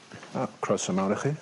O croeso mawr i chi.